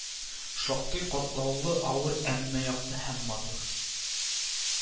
Шактый катлаулы, авыр, әмма якты һәм матур